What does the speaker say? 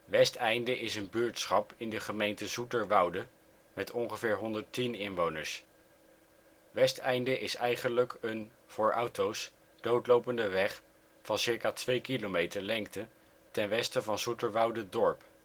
Westeinde is een buurtschap in de gemeente Zoeterwoude met ongeveer 110 inwoners. Westeinde is eigenlijk een (voor auto 's) doodlopende weg van circa 2 km lengte ten westen van Zoeterwoude-Dorp